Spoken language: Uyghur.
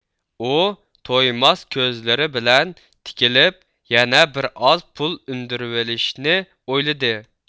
ئۇ تويماس كۆزلىرى بىلەن تىكىلىپ يەنە بىرئاز پۇل ئۈندۈرۈۋېلىشنى ئويلىدى